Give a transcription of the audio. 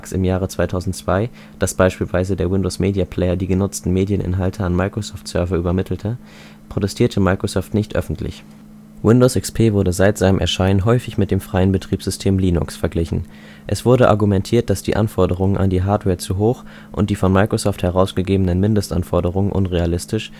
im Jahre 2002, dass beispielsweise der Windows Media Player die genutzten Medieninhalte an Microsoft-Server übermittle, protestierte Microsoft nicht öffentlich. Windows XP wurde seit seinem Erscheinen häufig mit dem freien Betriebssystem Linux verglichen. Es wurde argumentiert, dass die Anforderungen an die Hardware zu hoch und die von Microsoft herausgegebenen Mindestanforderungen unrealistisch